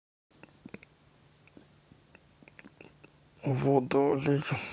водолей